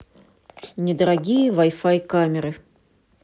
недорогие вай фай камеры